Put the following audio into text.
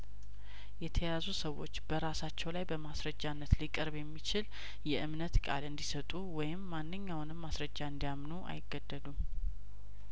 የተያዙ ሰዎች በራሳቸው ላይ በማስረጃነት ሊቀርብ የሚችል የእምነት ቃል እንዲሰጡ ወይም ማንኛውንም ማስረጃ እንዲያምኑ አይገደዱም